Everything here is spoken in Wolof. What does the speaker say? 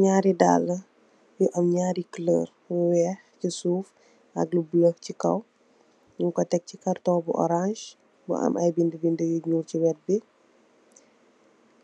Naari daal, yu am ñaari kuloor yu weeh ci suuf ak lu bulo ci kaw nung ko tèk chi carton bi orance bu am ay bindi-bindi yu ñuul chi wët bi.